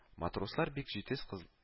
Матрослар, бик җитез кыз